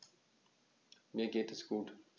Mir geht es gut.